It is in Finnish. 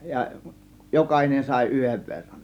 ja jokainen sai yhden verran